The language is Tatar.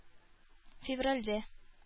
Февральдә